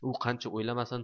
u qancha o'ylamasin